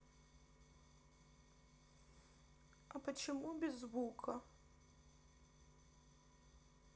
а почему без звука